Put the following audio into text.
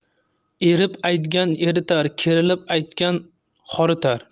erib aytgan eritar kerilib aytgan horitar